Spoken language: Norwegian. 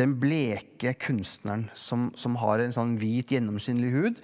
den bleke kunstneren som som har en sånn hvit gjennomskinnelig hud